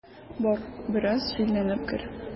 Бар, бераз җилләнеп кер.